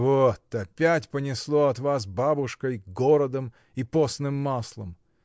— Вот опять понесло от вас бабушкой, городом и постным маслом!